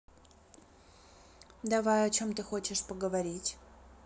давай о чем ты хочешь поговорить